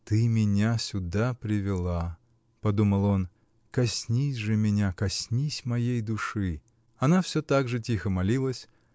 "Ты меня сюда привела, -- подумал он, -- коснись же меня, коснись моей души". Она все так же тихо молилась